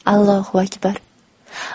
ollohu akbar